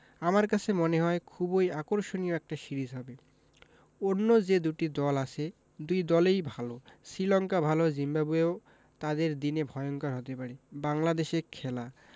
আমার কাছে মনে হয় খুবই আকর্ষণীয় একটা সিরিজ হবে অন্য যে দুটি দল আছে দুই দলই ভালো শীলঙ্কা ভালো জিম্বাবুয়েও তাদের দিনে ভয়ংকর হতে পারে বাংলাদেশে খেলা